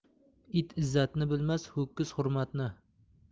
it izzatni bilmas ho'kiz hurmatni